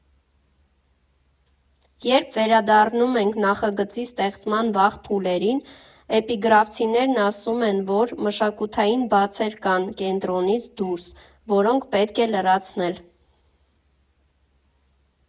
Երբ վերադառնում ենք նախագծի ստեղծման վաղ փուլերին, էպիգրաֆցիներն ասում են, որ մշակութային բացեր կան կենտրոնից դուրս, որոնք պետք է լրացնել։